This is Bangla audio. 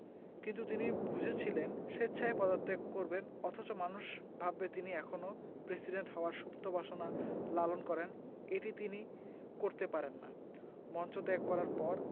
কিন্তু তিনি বুঝেছিলেন স্বেচ্ছায় পদত্যাগ করবেন অথচ মানুষ ভাববে তিনি এখনো প্রেসিডেন্ট হওয়ার সুপ্ত বাসনা লালন করেন এটি তিনি করতে পারেন না মঞ্চ ত্যাগ করার পর